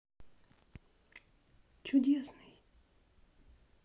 чудесной